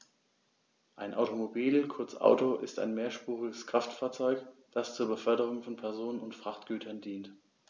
Ein Automobil, kurz Auto, ist ein mehrspuriges Kraftfahrzeug, das zur Beförderung von Personen und Frachtgütern dient.